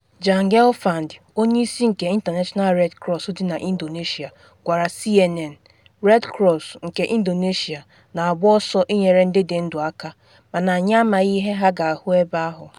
Jan Gelfand, onye isi nke International Red Cross dị na Indonesia, gwara CNN: “Red Cross nke Indonesia na agba ọsọ ịnyere ndị dị ndụ aka mana anyị amaghị ihe ha ga-ahụ ebe ahụ.